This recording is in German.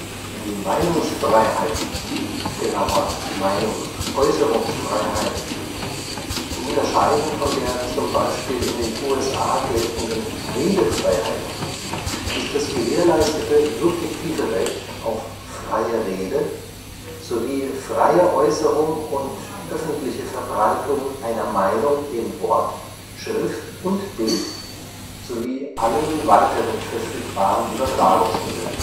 Die Meinungsfreiheit, genauer Meinungsäußerungsfreiheit, zu unterscheiden von der z. B. in den USA geltenden Redefreiheit, ist das gewährleistete subjektive Recht auf freie Rede sowie freie Äußerung und (öffentliche) Verbreitung einer Meinung in Wort, Schrift und Bild sowie allen weiteren verfügbaren Übertragungsmitteln